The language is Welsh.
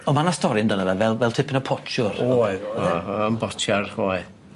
On' ma' 'na stori amdano fe fel fel tipyn o potsiwr. Oedd. Yy yn botsiar oedd.